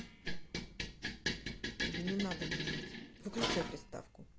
тебе не надо думать выключай приставку